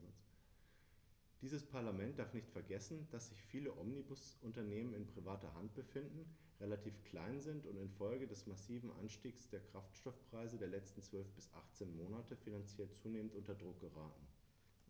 Dieses Parlament darf nicht vergessen, dass sich viele Omnibusunternehmen in privater Hand befinden, relativ klein sind und in Folge des massiven Anstiegs der Kraftstoffpreise der letzten 12 bis 18 Monate finanziell zunehmend unter Druck geraten.